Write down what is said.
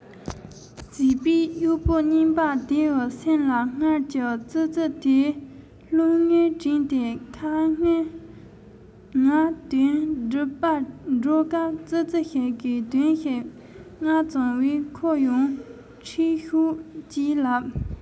བྱས པས གཡོག པོ རྙིང པ དེའི སེམས ལ སྔར གྱི ཙི ཙི དེ ལྷང ངེར དྲན ཏེ ཁ སྔོན ང དོན སྒྲུབ པར འགྲོ སྐབས ཙི ཙི ཞིག གིས དོན ཞིག མངགས བྱུང བས ཁོ ཡར ཁྲིད ཤོག ཅེས ལབ